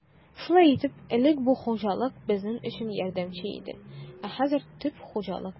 Шулай итеп, элек бу хуҗалык безнең өчен ярдәмче иде, ә хәзер төп хуҗалык булды.